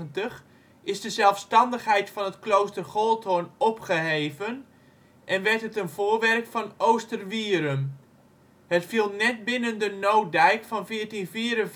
is de zelfstandigheid van het klooster Goldhoorn opgeheven en werd het een voorwerk van Oosterwierum. Het viel net binnen de nooddijk van 1454